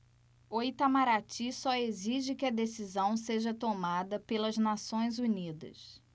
o itamaraty só exige que a decisão seja tomada pelas nações unidas